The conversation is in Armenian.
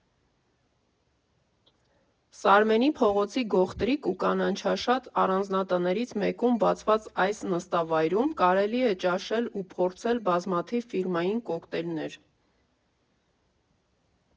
Սարմենի փողոցի գողտրիկ ու կանաչաշատ առանձնատներից մեկում բացված այս նստավայրում կարելի է ճաշել ու փորձել բազմաթիվ ֆիրմային կոկտեյլներ։